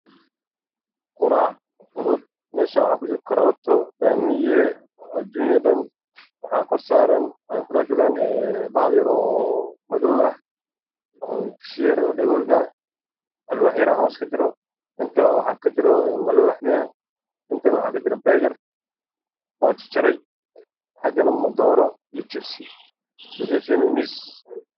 Qurac fudud mesha waxa ku jirto karoto bamiyo adunui dhan waxa dul saran ama ay ku jiran bahal yaro madow ah oo disi yaro dhagool ah xaga